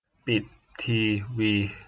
ปิดทีวี